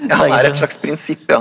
ja han er et slags prinsipp ja.